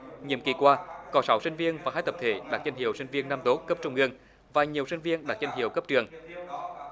nhiệm kỳ qua cậu cháu sinh viên và hai tập thể đạt danh hiệu sinh viên năm tốt cấp trung ương và nhiều sinh viên đạt danh hiệu cấp trường